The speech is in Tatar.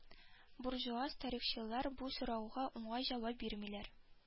Буржуаз тарихчылар бу сорауга уңай җавап бирмиләр